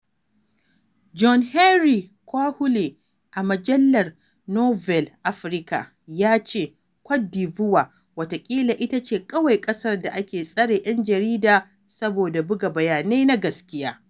John Henry Kwahulé a mujallar Nouvelle Afrique ya ce, Côte d'Ivoire watakila ita ce kawai ƙasar da ake tsare ‘yan jarida saboda buga bayanai na gaskiya.